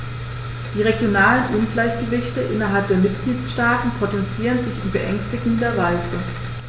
Die regionalen Ungleichgewichte innerhalb der Mitgliedstaaten potenzieren sich in beängstigender Weise.